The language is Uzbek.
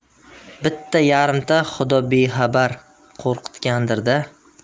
bitta yarimta xudobexabar qo'rqitgandir da